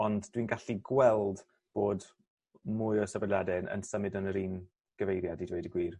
Ond dwi'n gallu gweld bod mwy o sefylliade'n yn symud yn yr un gyfeiriad i dweud y gwir.